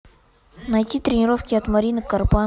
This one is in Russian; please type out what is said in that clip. найти тренировки от марины корпан